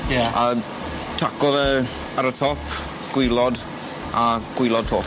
Ie. A taco fe ar y top, gwilod, a gwilod 'to.